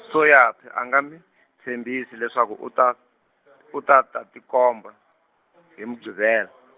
Soyaphi a nga mi, tshembisi leswaku u ta, u ta ta tikomba, hi Muqhivela.